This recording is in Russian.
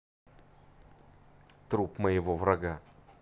труп моего врага